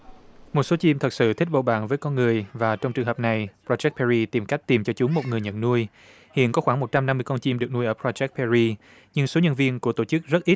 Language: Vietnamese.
một số chim thật sự thích bầu bạn với con người và trong trường hợp này pa rách pe ry tìm cách tìm cho chú một người nhận nuôi hiện có khoảng một trăm năm mươi con chim được nuôi ở pa rách pe ry nhưng số nhân viên của tổ chức rất ít